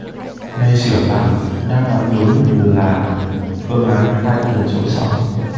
nay sửa lại đáp án đúng là phương án hai tần số sóng